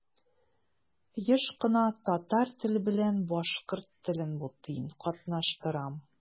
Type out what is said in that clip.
Еш кына татар теле белән башкорт телен бутыйм, катнаштырам.